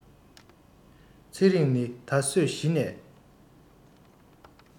ཚེ རིང ནི ད གཟོད གཞི ནས